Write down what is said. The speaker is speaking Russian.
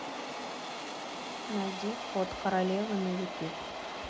найди ход королевы на ютуб